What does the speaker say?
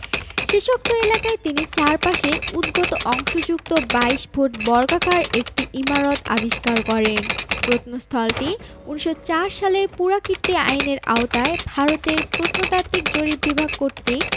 শেষোক্ত এলাকায় তিনি চারপাশে উদ্গত অংশযুক্ত ২২ ফুট বর্গাকার একটি ইমারত আবিষ্কার করেন প্রত্নস্থলটি ১৯০৪ সালের পুরাকীর্তি আইনের আওতায় ভারতের প্রত্নতাত্ত্বিক জরিপ বিভাগ কর্তৃক